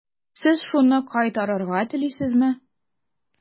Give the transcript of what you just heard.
Сез шуны кайтарырга телисезме?